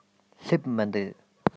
སླེབས མི འདུག